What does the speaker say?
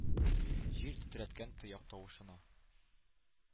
Җир тетрәткән тояк тавышына.